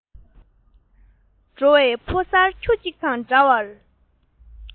འགྲོ བའི ཕོ གསར ཁྱུ གཅིག དང འདྲ བར